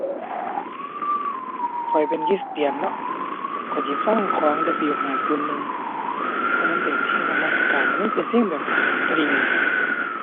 ข้อยเป็นคริสเตียนเนาะ ข้อยสิฟังของ W501 เพราะมันเป็นเพลงนมัสการ แล้วมันเป็นเพลงแบบสตริง